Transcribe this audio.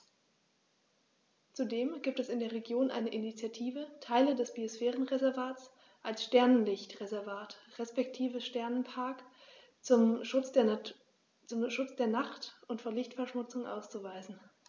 Zudem gibt es in der Region eine Initiative, Teile des Biosphärenreservats als Sternenlicht-Reservat respektive Sternenpark zum Schutz der Nacht und vor Lichtverschmutzung auszuweisen.